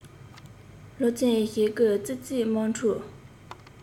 སློབ ཚན ཞེ དགུ ཙི ཙིའི དམག འཁྲུག